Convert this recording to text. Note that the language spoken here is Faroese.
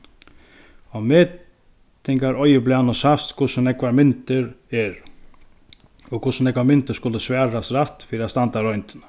á metingaroyðublaðnum sæst hvussu nógvar myndir eru og hvussu nógvar myndir skulu svarast rætt fyri at standa royndina